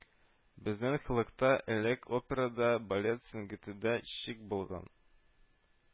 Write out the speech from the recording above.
Безнең халыкта элек опера да, балет сәнгатедә чит булган